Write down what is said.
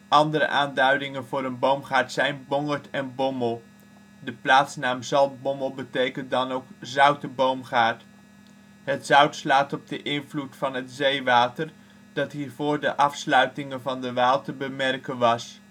Andere aanduidingen voor een boomgaard zijn: bongerd en bommel. De plaatsnaam Zaltbommel betekent dan ook: zoute boomgaard. Het zout slaat op de invloed van het zeewater, dat hier voor de afsluitingen van de Waal te bemerken was